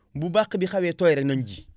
bu bàq bi xawee tooy rek nañu ji